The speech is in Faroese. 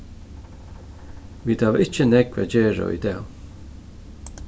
vit hava ikki nógv at gera í dag